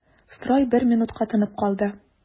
Строй бер минутка тынып калды.